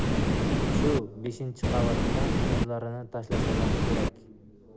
shu beshinchi qavatdan o'zlarini tashlasalar kerak